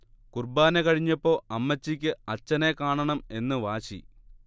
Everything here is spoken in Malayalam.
കുർബ്ബാന കഴിഞ്ഞപ്പോ അമ്മച്ചിക്ക് അച്ചനെ കാണണം എന്ന് വാശി